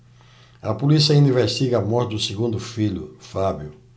a polícia ainda investiga a morte do segundo filho fábio